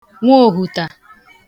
nwohùta